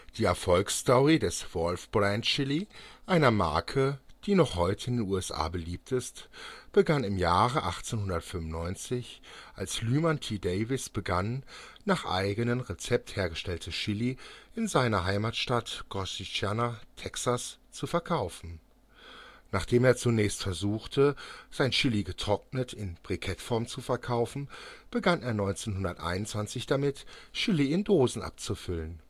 Die Erfolgsstory des Wolf Brand Chili, einer Marke, die noch heute in den USA beliebt ist, begann im Jahre 1895, als Lyman T. Davis begann, nach eigenem Rezept hergestelltes Chili in seiner Heimatstadt Corsicana (Texas) zu verkaufen. Nachdem er zunächst versuchte, sein Chili getrocknet in Brikettform zu verkaufen, begann er 1921 damit, Chili in Dosen abzufüllen